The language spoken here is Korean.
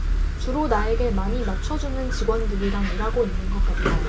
주로 나에게 많이 맞춰주는 직원들이랑 일하고 있는 것 같다